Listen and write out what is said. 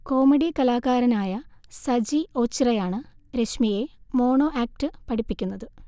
comedy കലാകാരനായ സജി ഓച്ചിറയാണ് രശ്മിയെ മോണോ ആക്ട് പഠിപ്പിക്കുന്നത്